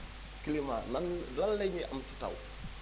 climat lan lan la ñuy am si taw